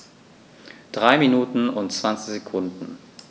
3 Minuten und 20 Sekunden